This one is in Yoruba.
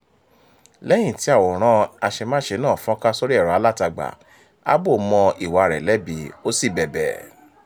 Lẹ́yìn tí àwòrán càṣemáṣe náà fọ́n ká sórí ẹ̀rọ alátagbà, Abbo offered mọ ìwàa rẹ̀ lẹ́bí, ó sì bẹ̀bẹ̀.